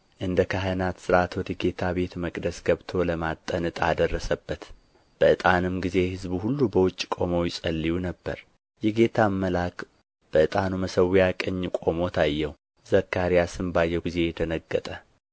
እንደ ካህናት ሥርዓት ወደ ጌታ ቤተ መቅደስ ገብቶ ለማጠን ዕጣ ደረሰበት በዕጣንም ጊዜ ሕዝቡ ሁሉ በውጭ ቆመው ይጸልዩ ነበር የጌታም መልአክ በዕጣኑ መሠዊያ ቀኝ ቆሞ ታየው ዘካርያስም ባየው ጊዜ ደነገጠ